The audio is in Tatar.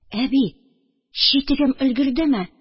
Әби, читегем өлгердеме